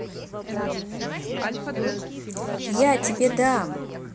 я тебе дам